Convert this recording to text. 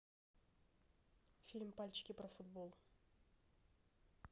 фильм пальчики про футбол